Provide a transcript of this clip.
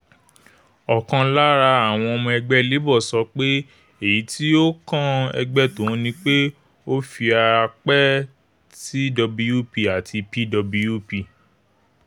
Ọ̀kan lára àwọn ọmọ ẹgbẹ́ Labour sọpé èyí ti o kan ẹgbẹ t'òhun nipé “ó fi ara pè Twp àti Pwp.”